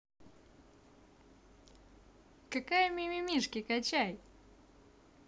какая мимимишки качай